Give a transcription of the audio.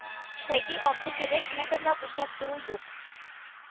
Шәйди абзый кебек метрлап үлчәп тору юк